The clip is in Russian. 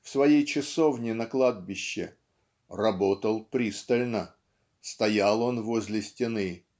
в своей часовне на кладбище "работал пристально стоял он возле стены